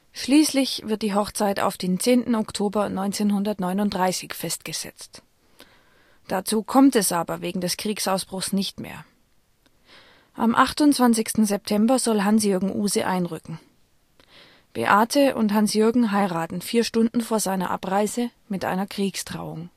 Schließlich wird die Hochzeit auf den 10. Oktober 1939 festgesetzt - dazu kommt es aber wegen des Kriegsausbruchs nicht mehr. Am 28. September soll Hans-Jürgen Uhse einrücken. Beate und Hans-Jürgen heiraten vier Stunden vor seiner Abreise mit einer Kriegstrauung